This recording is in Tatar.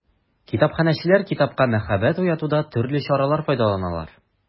Китапханәчеләр китапка мәхәббәт уятуда төрле чаралардан файдаланалар.